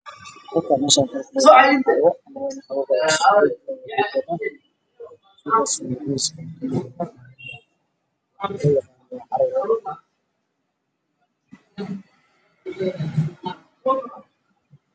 Waa shaati suud midabkiis yahay cadays